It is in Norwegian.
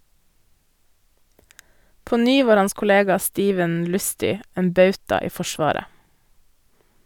På ny var hans kollega Steven Lustü en bauta i forsvaret.